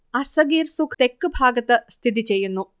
അസ്സഗീർ Souq തെക്ക് ഭാഗത്ത് സ്ഥിതി ചെയ്യുന്നു